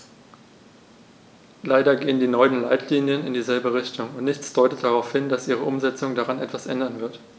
Leider gehen die neuen Leitlinien in dieselbe Richtung, und nichts deutet darauf hin, dass ihre Umsetzung daran etwas ändern wird.